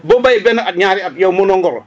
boo béyee benn at ñaari at yow munoo ngoro